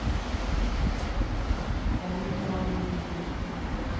тариф новогодний